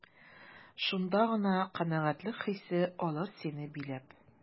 Шунда гына канәгатьлек хисе алыр сине биләп.